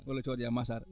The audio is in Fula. walla codoyaa masara